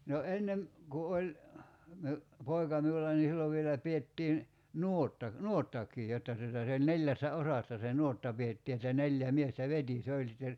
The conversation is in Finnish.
no ennen kun oli minun poika minulla niin silloin vielä pidettiin nuotta nuottakin jotta tuota se oli neljässä osassa se nuotta pidettiin että neljä miestä veti se oli sitten